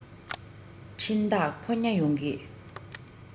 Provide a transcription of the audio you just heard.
འཕྲིན བདག ཕོ ཉ ཡོང གི